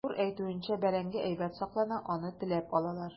Артур әйтүенчә, бәрәңге әйбәт саклана, аны теләп алалар.